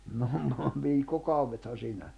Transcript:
no no viikkokaudethan siinä